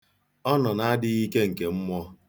Ọ nọ n'adịghike nke mmụọ.